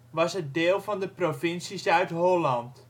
was het deel van de provincie Zuid-Holland